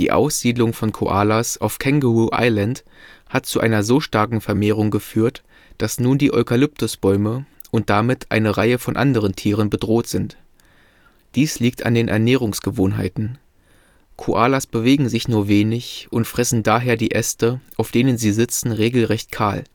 Aussiedlung von Koalas auf Kangaroo Island hat zu einer so starken Vermehrung geführt, dass nun die Eukalyptusbäume und damit eine Reihe von anderen Tieren bedroht sind. Dies liegt an den Ernährungsgewohnheiten: Koalas bewegen sich nur wenig und fressen daher die Äste, auf denen sie sitzen, regelrecht kahl